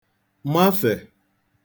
mafè